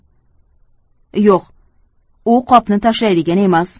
yo'q u qopni tashlaydigan emas